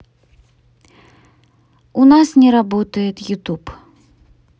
у нас не работает youtube